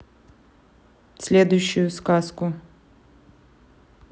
следующую сказку